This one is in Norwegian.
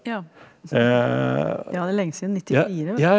ja ja det er lenge siden, nittifire.